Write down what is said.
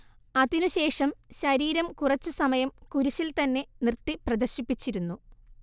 അതിനു ശേഷം ശരീരം കുറച്ചു സമയം കുരിശിൽത്തന്നെ നിർത്തി പ്രദർശിപ്പിച്ചിരുന്നു